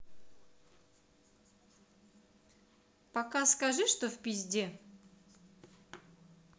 пока скажи что в пизде